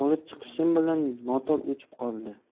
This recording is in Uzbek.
olib chiqishim bilan motor o'chib qoldi